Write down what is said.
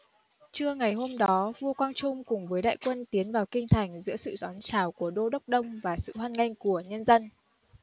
trưa ngày hôm đó vua quang trung cùng với đại quân tiến vào kinh thành giữa sự đón chào của đô đốc đông và sự hoan nghênh của nhân dân